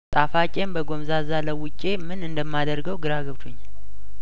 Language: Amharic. ጣፋጬን በጐም ዛዛ ለው ጬምን እንደማ ደርገው ግራ ገብቶኛል